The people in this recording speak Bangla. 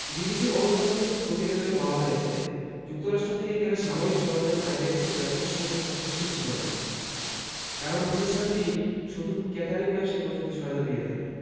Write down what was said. বিবিসির অনুসন্ধানী প্রতিবেদনে বলা হয়েছে যুক্তরাষ্ট্র থেকে কেনা সামরিক সরঞ্জাম আইব্যাকসের ব্যবসার সঙ্গে সংশ্লিষ্ট ছিল না কারণ প্রতিষ্ঠানটি শুধু কেটারিং ব্যবসায় প্রযুক্তি সহায়তা দিয়ে থাকে